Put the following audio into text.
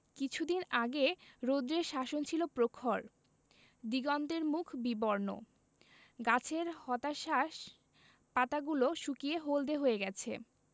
কিছুদিন আগে রৌদ্রের শাসন ছিল প্রখর দিগন্তের মুখ বিবর্ণ গাছের হতাশ্বাস পাতাগুলো শুকিয়ে হলদে হয়ে গেছে